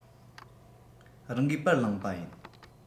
རང གིས པར བླངས པ ཡིན